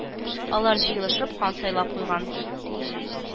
Алар җыелышып хан сайлап куйган